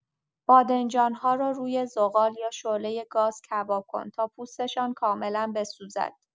بادمجان‌ها را روی زغال یا شعله گاز کباب کن تا پوستشان کاملا بسوزد.